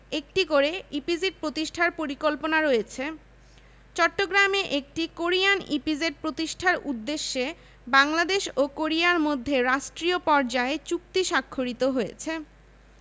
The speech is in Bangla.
একটি করে ইপিজেড প্রতিষ্ঠার পরিকল্পনা রয়েছে চট্টগ্রামে একটি কোরিয়ান ইপিজেড প্রতিষ্ঠার উদ্দেশ্যে বাংলাদেশ ও কোরিয়ার মধ্যে রাষ্ট্রীয় পর্যায়ে চুক্তি স্বাক্ষরিত হয়েছে